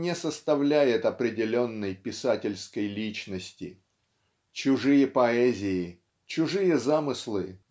не составляет определенной писательской личности. Чужие поэзии чужие замыслы